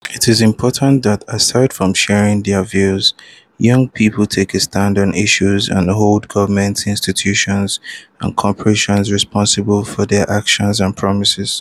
It is important that aside from sharing their views, young people take a stand on issues and hold governments, institutions, and corporations responsible for their actions and promises.